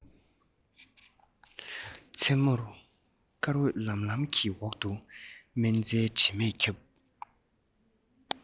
མཚན མོར སྐར འོད ལམ ལམ གྱི འོག ཏུ སྨན རྩྭའི དྲི མས ཁྱབ